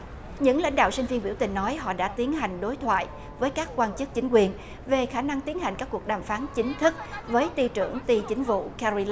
những lãnh đạo sinh viên biểu tình nói họ đã tiến hành đối thoại với các quan chức chính quyền về khả năng tiến hành các cuộc đàm phán chính thức với tư tưởng từ chính vụ ke ri